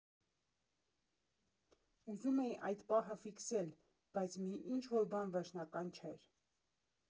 Ուզում էի այդ պահը ֆիքսել, բայց մի ինչ֊որ բան վերջնական չէր։